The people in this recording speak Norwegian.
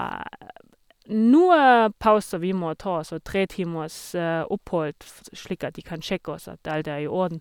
Noe pauser vi må ta, så tre timers opphold f slik at de kan sjekke oss at alt er i orden.